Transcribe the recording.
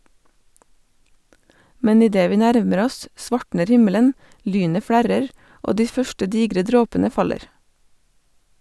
Men idet vi nærmer oss, svartner himmelen, lynet flerrer, og de første digre dråpene faller.